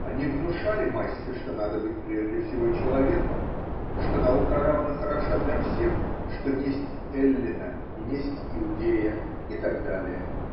Они внушали массе, что надо быть прежде всего человеком, что наука равно хороша для всех, что несть эллина и несть иудея и так далее.